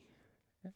Ja.